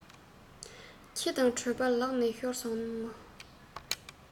ཁྱི དང གྲོད པ ལག ནས ཤོར སོང ངོ